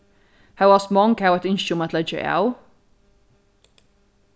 hóast mong hava eitt ynski um at leggja av